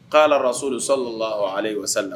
K ko alara so de sa ale ye wa sa la